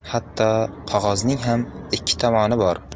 hatto qog'ozning ham ikki tomoni bor